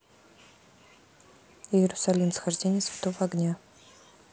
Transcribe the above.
иерусалим схождение святого огня